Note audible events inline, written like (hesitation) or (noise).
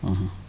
(hesitation) (hesitation)